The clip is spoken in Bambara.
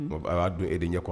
Ɔ'a don eden ɲɛ kɔrɔ